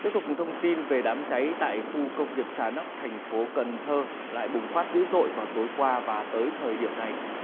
tiếp tục thông tin về đám cháy tại khu công nghiệp trà nóc thành phố cần thơ lại bùng phát dữ dội vào tối qua và tới thời điểm này